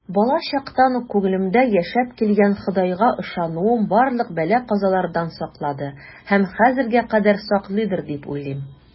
Балачактан ук күңелемдә яшәп килгән Ходайга ышануым барлык бәла-казалардан саклады һәм хәзергә кадәр саклыйдыр дип уйлыйм.